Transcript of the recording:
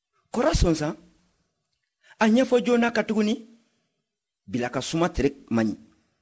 kɔrɔ sonsan a ɲɛfɔ joona katuguni bila-ka-suma tere man ɲi